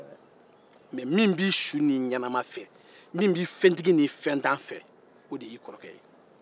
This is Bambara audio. min b'i fɛ i fɛntan ni fɛntigi i su ani i ɲɛnama o y'i kɔrɔkɛ ye